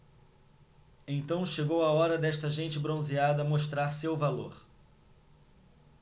então chegou a hora desta gente bronzeada mostrar seu valor